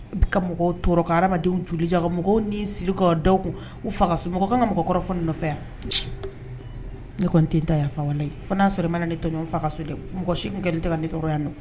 Ka mɔgɔw tɔɔrɔ, ka adamadenw jolija ka mɔgɔw ni siri k'a da u kun, u Fa ka so, mɔgɔ ka kan mɔgɔ kɔrɔfɔ ni nɔfɛ wa ? ne kɔni tɛ ta yafa walaye fɔ n'a y'a sɔrɔ i mana ne tɔɲɔgɔn n fa so dɛ, mɔgɔ si kun kɛ ne tɛ ka dɔgɔya yan nɔn.